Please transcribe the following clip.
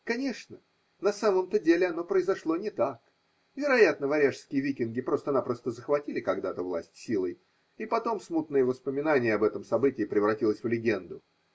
Конечно, на самом-то деле оно произошло не так: вероятно, варяжские викинги просто-напросто захватили когда-то власть силой, и потом смутное воспоминание об этом событии превратилось в легенду.